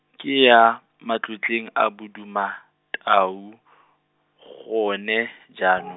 ke ya, matlotleng a Bodumatau , gone jaano-.